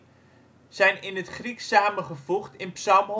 zijn in het Grieks samengevoegd in psalm